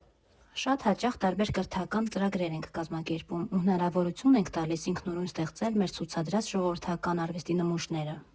Շատ հաճախ տարբեր կրթական ծրագրեր ենք կազմակերպում ու հնարավորություն ենք տալիս ինքնուրույն ստեղծել մեր ցուցադրած ժողովրդական արվեստի նմուշները։